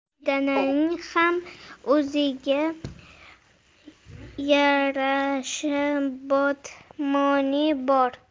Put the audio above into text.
bedananing ham o'ziga yarasha botmoni bor